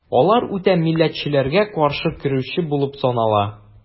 Алар үтә милләтчеләргә каршы көрәшүче булып санала.